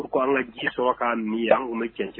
U k ko an ka ji sɔrɔ k'a mi ye an bɛ cɛn cɛ